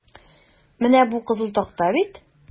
Менә бу кызыл такта бит?